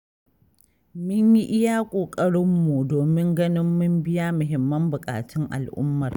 Mun yi iya ƙoƙarinmu domin ganin mun biya muhimman buƙatun al'ummar.